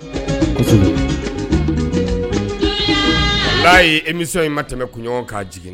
Nba imi in ma tɛmɛ kunɲɔgɔn k'a jigin